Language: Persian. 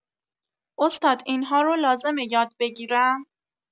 استاد این‌ها رو لازمه یاد بگیرم؟